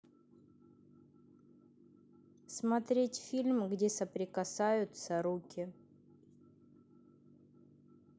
смотреть фильм где соприкасаются руки